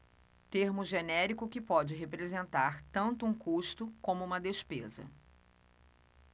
termo genérico que pode representar tanto um custo como uma despesa